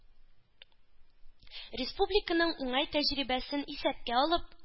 – республиканың уңай тәҗрибәсен исәпкә алып,